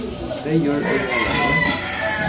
deyður og jarðaður